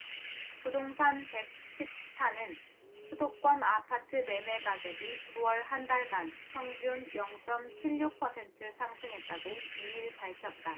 부동산 백 십 사 는 수도권 아파트 매매가격이 구 월 한달간 평균 영 쩜 칠 육 퍼센트 상승했다고 이 일 밝혔다